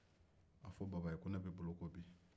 a fɔ baba ye ko ne bɛ boloko bi